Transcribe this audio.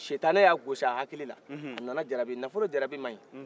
sitanɛ y'a gosi a hakilila a nana jarabi nafolo jarabi mayi